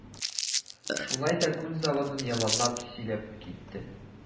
Шулай да күн заводын яманлап сөйләп китте: